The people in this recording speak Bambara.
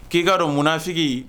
K'i k'a dɔn munanfigi